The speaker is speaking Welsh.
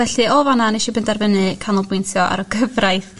Felly o fana neshi benderfynu canolbwyntio ar Y Gyfraith